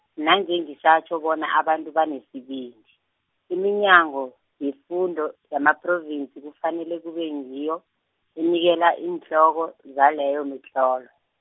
nanje ngisatjho bona abantu banesibindi, iminyango yefundo yamaPhrovinsi kufanele kube ngiyo, enikela iinhloko zaleyo mitlolo.